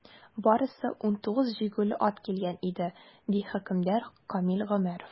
Барысы 19 җигүле ат килгән иде, - ди хөкемдар Камил Гомәров.